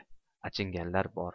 achinganlar bor